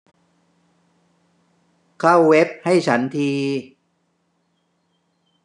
เข้าเว็บให้ฉันที